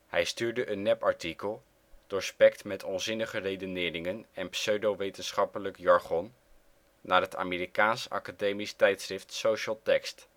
Hij stuurde een nep-artikel, doorspekt met onzinnige redeneringen en pseudowetenschappelijk jargon, naar het Amerikaans academisch tijdschrift Social Text